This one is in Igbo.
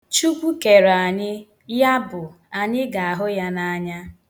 Chukwu kere anyị, yabụ, anyị ga-ahụ ya n' anya.